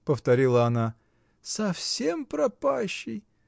— повторяла она, — совсем пропащий!